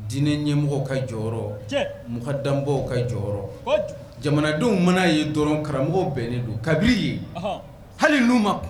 Diinɛ ɲɛmɔgɔ ka jɔyɔrɔ mɔgɔ danbɔ ka jɔyɔrɔ jamanadenw mana ye dɔrɔn karamɔgɔ bɛɛnen don kabinibi ye hali nu ma